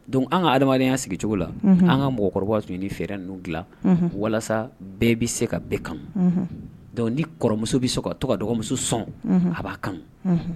Dɔnku an ka adamadenyaya sigi cogo la an ka mɔgɔkɔrɔba sunjata ni fɛɛrɛ n ninnu dila walasa bɛɛ bɛ se ka bɛɛ kama dɔnku ni kɔrɔmuso bɛ sɔn a to ka dɔgɔmuso sɔn a b'a kan